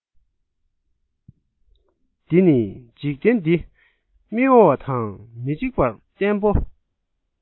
དེ ནི འཇིག རྟེན འདི མི གཡོ བ དང མི འཇིག པར བརྟན པོ